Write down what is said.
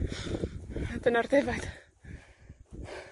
A dyna'r defaid.